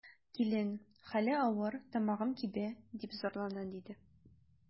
Килен: хәле авыр, тамагым кибә, дип зарлана, диде.